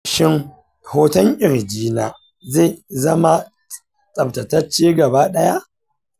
shin hoton kirji na zai zama tsaftatacce gaba ɗaya?